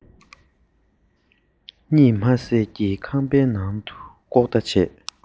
གཉིད མ སད ཀྱིས ཁང པའི ནང དུ ལྐོག ལྟ བྱས